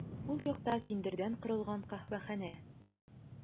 Уң якта киндердән корылган каһвәханә.